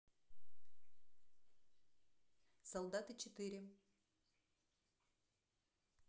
солдаты четыре